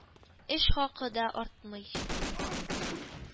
Эш хакы да артмый.